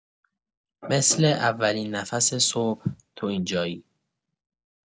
مثل اولین نفس صبح، تو اینجایی.